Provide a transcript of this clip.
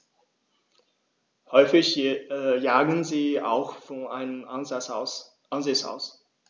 Häufig jagen sie auch von einem Ansitz aus.